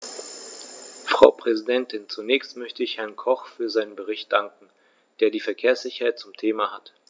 Frau Präsidentin, zunächst möchte ich Herrn Koch für seinen Bericht danken, der die Verkehrssicherheit zum Thema hat.